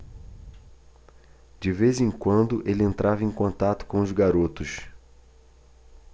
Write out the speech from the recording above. de vez em quando ele entrava em contato com os garotos